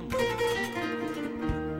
Maainɛ yo